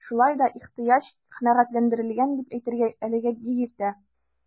Шулай да ихтыяҗ канәгатьләндерелгән дип әйтергә әлегә бик иртә.